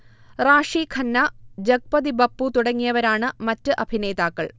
റാഷി ഖന്ന, ജഗ്പതി ബപ്പു തുടങ്ങിയവരാണ് മറ്റ് അഭിനേതാക്കൾ